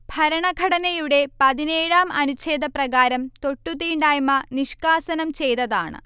ഭരണഘടനയുടെ പതിനേഴാം അനുഛേദപ്രകാരം തൊട്ടുതീണ്ടായ്മ നിഷ്കാസനം ചെയ്തതാണ്